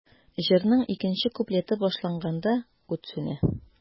Җырның икенче куплеты башланганда, ут сүнә.